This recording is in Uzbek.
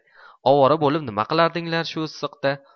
ovora bo'lib nima qilardinglar shu issiqda